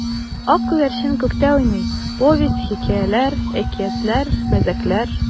Ак күгәрчен күктә уйный: повесть, хикәяләр, әкиятләр, мәзәкләр.